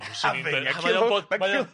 Having a